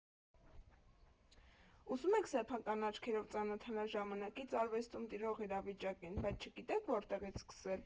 Ուզում եք սեփական աչքերով ծանոթանալ ժամանակից արվեստում տիրող իրավիճակին, բայց չգիտեք որտեղի՞ց սկսել։